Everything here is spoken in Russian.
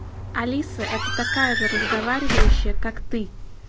алиса это такая же разговаривающая как ты